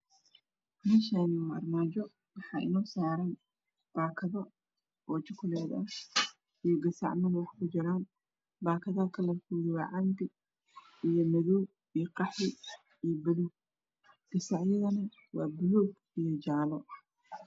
Meeshani waa armaajo waxàa inoo saaran baakado oo jukulet ah iyo gasacman wax kijiran baakadaha midabkooda waa canbi iyo madow iyo qaxwi iyo buluug gasacyadana wa buluug iyo jaale